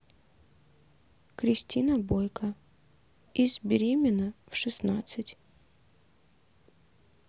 кристина бойко из беременна в шестнадцать